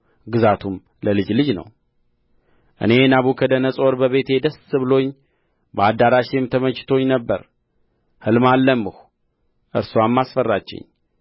ግዛቱም ለልጅ ልጅ ነው እኔ ናቡከደነፆር በቤቴ ደስ ብሎኝ በአዳራሼም ተመችቶኝ ነበር ሕልም አለምሁ እርስዋም አስፈራችኝ